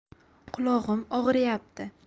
qulog'im og'riyapti